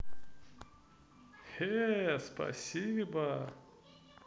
the спасибо